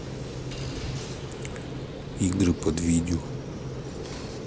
игры под видео